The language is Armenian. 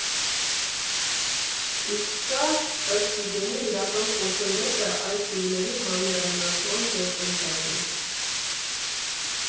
Իսկ սա, ըստ Վիգենի, իրական խոչընդոտ է այդ ֆիլմերի հանրայնացման գործընթացում։